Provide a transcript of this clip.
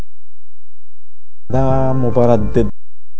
مباراه